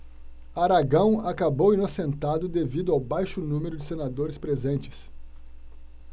aragão acabou inocentado devido ao baixo número de senadores presentes